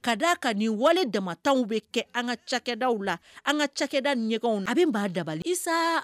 Ka d' a ka nin wale damaw bɛ kɛ an ka cakɛda la an ka cakɛda ɲɛgɛnw a bɛ' dabalisa